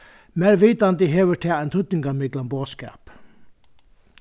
mær vitandi hevur tað ein týdningarmiklan boðskap